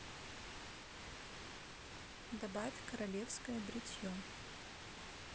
добавь королевское бритье